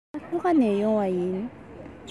ང ལྷོ ཁ ནས ཡོང པ ཡིན